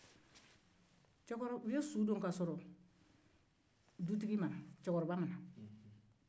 u ye su don k'a sɔrɔ cɛkɔrɔba ma na